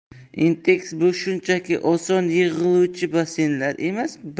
intex bu shunchaki oson yig'iluvchi basseynlar emas